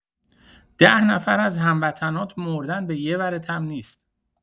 ده نفر از هموطنات مردن به یورتم نیست؟